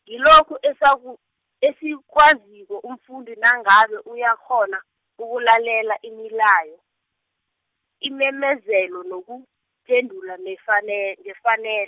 ngilokhu esaku- esikwaziko umfundi nangabe uyakghona, ukulalela imilayo, iimemezelo, nokuphendula, nefane- ngefane-.